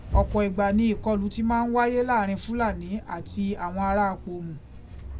Ọ̀pọ̀ ìgbà ni ìkọlu ti máa ń wáyé láàrin Fúlànì àti àwọn ará Apòmù.